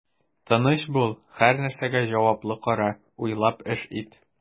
Тыныч бул, һәрнәрсәгә җаваплы кара, уйлап эш ит.